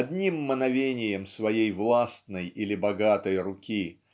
одним мановением своей властной или богатой руки